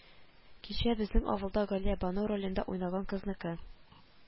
Кичә безнең авылда Галиябану ролендә уйнаган кызныкы